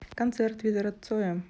концерт твиттера цоя